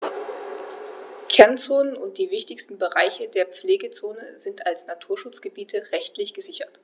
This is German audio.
Kernzonen und die wichtigsten Bereiche der Pflegezone sind als Naturschutzgebiete rechtlich gesichert.